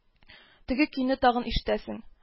Теге көйне тагын ишетәсең